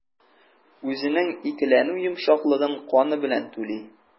Үзенең икеләнү йомшаклыгын каны белән түли.